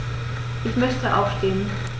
Ich möchte aufstehen.